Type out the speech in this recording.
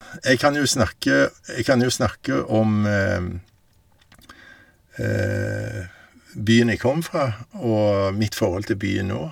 jeg kan jo snakke Jeg kan jo snakke om byen jeg kom fra og mitt forhold til byen nå.